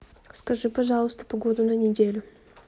скажи пожалуйста погоду на неделю